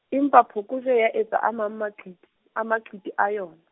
empa phokojwe ya etsa a mang maqiti, a maqiti a yona.